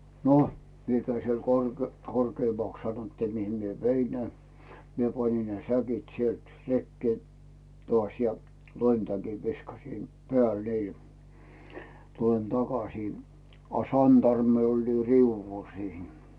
no minä kävin siellä - korkeammaksi sanottiin mihin minä vein ne minä panin ne säkit sieltä rekeen taas ja loimitäkin viskasin päälle niille tulen takaisin a santarmi oli riu'ulla siinä